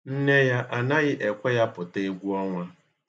Nne ya anaghị ekwe ya pụta egwu ọnwa.